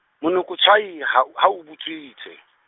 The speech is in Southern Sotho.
monokotshwai ha o, ha o butswitse.